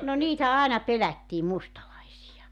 no niitä aina pelättiin mustalaisia